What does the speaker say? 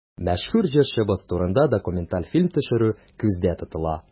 Мәшһүр җырчыбыз турында документаль фильм төшерү күздә тотыла.